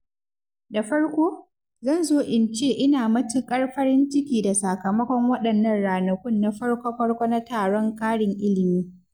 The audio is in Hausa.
Da farko, zan so in ce ina matuƙar farin ciki da sakamakon waɗannan ranakun na farko-farko na taron ƙarin ilimi.